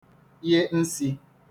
ye nsī